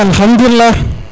alkhamdoulila